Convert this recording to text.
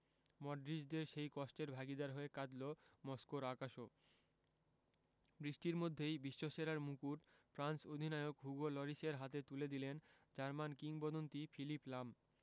মডরিচদের সেই কষ্টের ভাগিদার হয়ে কাঁদল মস্কোর আকাশও বৃষ্টির মধ্যেই বিশ্বসেরার মুকুট ফ্রান্স অধিনায়ক হুগো লরিসের হাতে তুলে দিলেন জার্মান কিংবদন্তি ফিলিপ লাম